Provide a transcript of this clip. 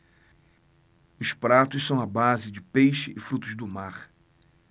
os pratos são à base de peixe e frutos do mar